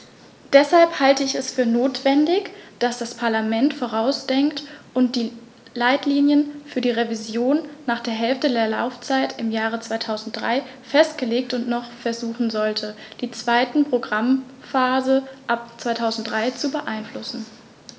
Deshalb halte ich es für notwendig, dass das Parlament vorausdenkt und die Leitlinien für die Revision nach der Hälfte der Laufzeit im Jahr 2003 festlegt und noch versuchen sollte, die zweite Programmphase ab 2003 zu beeinflussen.